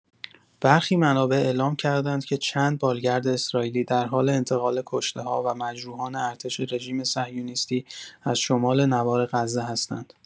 برخی منابع اعلام کردند که چند بالگرد اسرائیلی در حال انتقال کشته‌ها و مجروحان ارتش رژیم صهیونیستی از شمال نوار غزه هستند.